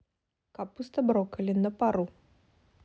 капуста брокколи на пару